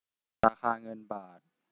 ราคาเงินบาท